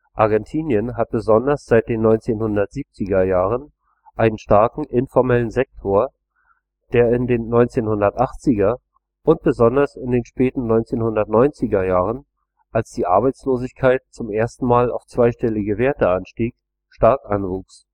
Argentinien hat besonders seit den 1970er Jahren einen starken informellen Sektor, der in den 1980er und besonders den späten 1990er Jahren, als die Arbeitslosigkeit zum ersten Mal auf zweistellige Werte anstieg, stark anwuchs